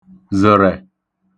zə̣̀rẹ̀